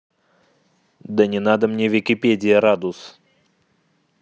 да не надо мне википедия радус